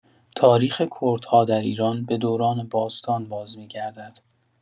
تاریخ کردها در ایران به دوران باستان بازمی‌گردد.